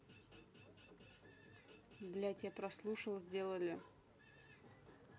блядь я прослушал сделали